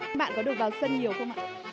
bạn có được vào sân nhiều không ạ